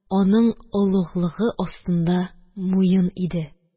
Аның олуглыгы астында муен иде